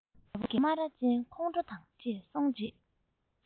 རྒད པོ སྨ ར ཅན ཁོང ཁྲོ དང བཅས སོང རྗེས